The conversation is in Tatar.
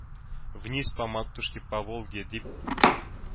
-“вниз по матушке по волге...“,- дип